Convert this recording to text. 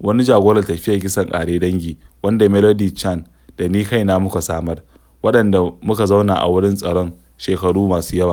wani jagorar "tafiyar kisan ƙare dangi" wanda Melody Chan da ni kaina muka samar, waɗanda muka zauna a wurin tsaro shekaru masu yawa.